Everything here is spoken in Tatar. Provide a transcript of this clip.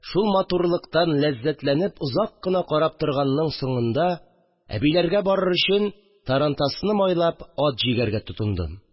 Шул матурлыктан ләззәтләнеп озак кына карап торганның соңында, әбиләргә барыр өчен, тарантасны майлап, ат җигәргә тотындым